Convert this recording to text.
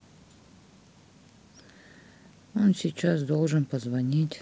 а он сейчас должен позвонить